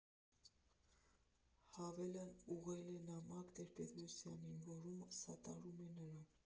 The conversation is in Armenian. Հավելն ուղղել է նամակ Տեր֊֊Պետրոսյանին, որում սատարում է նրան։